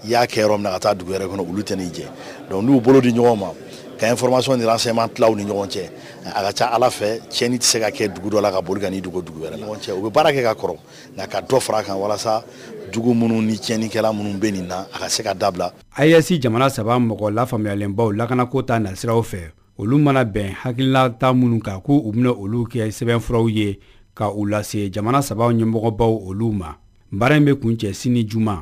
I y'a kɛ yɔrɔ min na ka taa dugu wɛrɛ kɔnɔ olu tɛ nin cɛ don'u bolo di ɲɔgɔn ma ka fɔrɔmasi ni sema tila ni ɲɔgɔn cɛ ala ka ca ala fɛ cɛn tɛ se ka kɛ dugu dɔ la ka dugu dugu ɲɔgɔn cɛ u bɛ baara kɛ ka kɔrɔ ka dɔ fara a kan walasa dugu minnu ni cɛnkɛla minnu bɛ nin na a ka se ka dabila a yasi jamana saba mɔgɔ la faamuyayalen baw lak ko ta nasiraraw fɛ olu mana bɛn hala taa minnu kan k' u minɛ olu kɛ sɛbɛnfraw ye ka u lase jamana saba ɲɛ mɔgɔ baw olu ma baara in bɛ kun cɛ sini ni juma